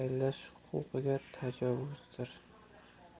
prezidentini emin erkin saylash huquqiga tajovuzdir